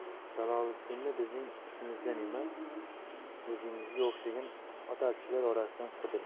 jallodni bizning ichimizdan emas o'zingizga o'xshagan otarchilar orasidan qidiring